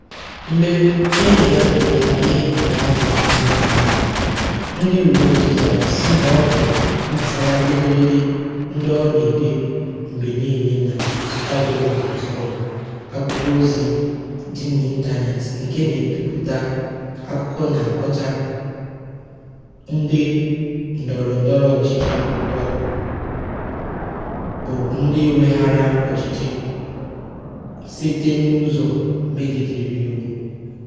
Mgbe enyi ya jụrụ ya ihe mere ha ji nwuru Abbass, ndị uweojii zara sị na ọ bụ gbasara ederede ndị ọ na-ede mgbe niile na Taqadoumy.com, akwụkwọozi dị n'ịntaneetị nke na-ebipụta akụkọ na-akọcha ndị ndọrọndọrọ ọchịchị ugbua bụ ndị weghaara ọchịchị site n'ụzọ megidere iwu.